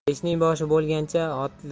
beshning boshi bo'lgancha